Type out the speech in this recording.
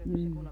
mm